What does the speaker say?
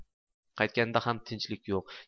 qaytganida ham tinchlik yo'q